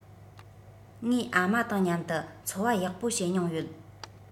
ངའི ཨ མ དང མཉམ དུ འཚོ བ ཡག པོ བྱེད མྱོང ཡོད